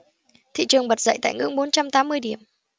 thị trường bật dậy tại ngưỡng bốn trăm tám mươi điểm